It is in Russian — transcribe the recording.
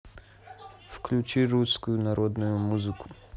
включи русскую народную музыку